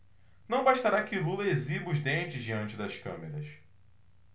não bastará que lula exiba os dentes diante das câmeras